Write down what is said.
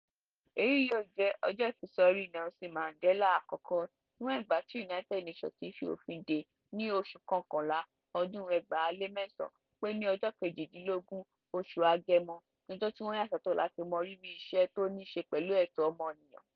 Èyí yòó jẹ́ ọjọ́ ìfisọrí Nelson Mandela àkọ́kọ́, níwọ̀n ìgbà tí United Nations ti fi ofìn dèé ní November 2009 pé July 18 ni ọjọ́ tí wọ́n ya sọ́tọ̀ láti mọ rírì àwọn iṣẹ́ tó níi ṣe pẹ̀lú ẹ̀tọ́ ọmọniyàn.